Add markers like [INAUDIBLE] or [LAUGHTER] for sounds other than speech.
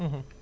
[HESITATION] [HESITATION]